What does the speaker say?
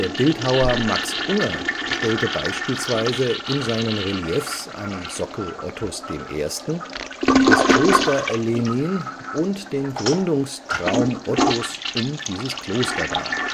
Bildhauer Max Unger stellte beispielsweise in seinen Reliefs am Sockel Ottos I. das Kloster Lehnin und den Gründungstraum Ottos um dieses Kloster dar